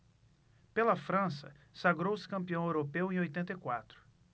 pela frança sagrou-se campeão europeu em oitenta e quatro